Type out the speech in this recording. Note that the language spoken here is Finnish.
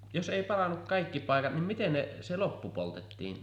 jos ei palanut kaikki paikat niin miten ne se loppu poltettiin